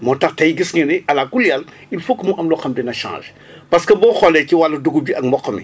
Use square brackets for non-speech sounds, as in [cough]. moo tax tey gis nga ne allah kulli àll il foog mu am loo xam ne dina changé [breath] parce que boo xoolee ci wàllu dugub ji ak mboq mi